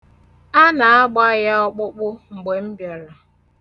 Ana-agba ya ọkpụkpụ mgbe m bịara.